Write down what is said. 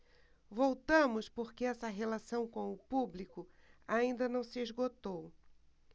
voltamos porque essa relação com o público ainda não se esgotou